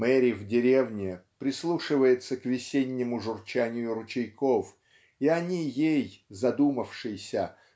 Мери в деревне прислушивается к весеннему журчанию ручейков и они ей задумавшейся